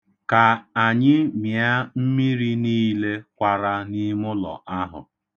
Ka anyị mịa mmiri niile kwara n'imụlọ ahụ.